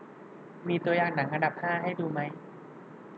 มีตัวอย่างหนังอันดับห้าให้ดูไหม